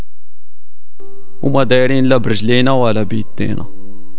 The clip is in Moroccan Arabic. ومديرين لا برجلين ولا بيتين